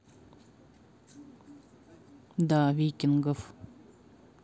да викингов